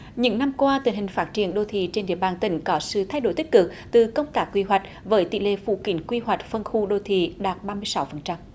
những năm qua tình hình phát triển đô thị trên địa bàn tỉnh có sự thay đổi tích cực từ công tác quy hoạch vởi tỷ lệ phủ kín quy hoạch phân khu đô thị đạt ba mươi sáu phần trăm